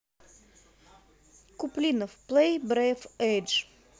куплинов плей бриф эйдж